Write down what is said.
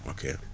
ok